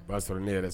O b'a sɔrɔ ne yɛrɛ sa